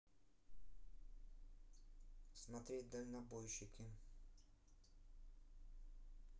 смотреть дальнобойщики